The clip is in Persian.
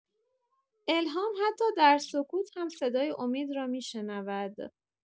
الهام حتی در سکوت هم صدای امید را می‌شنود.